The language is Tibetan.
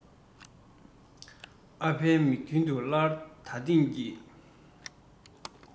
ཨ ཕའི མིག མདུན དུ སླར ད ཐེངས ཀྱི